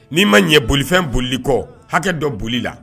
N'i ma ɲɛ bolifɛn bolili kɔ hakɛ dɔ boli la